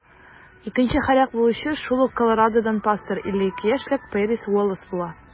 Икенче һәлак булучы шул ук Колорадодан пастор - 52 яшьлек Пэрис Уоллэс була.